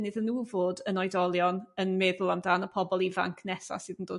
iddyn nhw fod yn oedolion yn meddwl am dan y pobl ifanc nesa' sydd yn dod